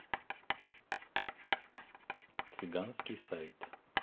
цыганский сайт